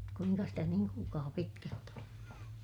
kuinka sitä niin kuulkaa pitkälti on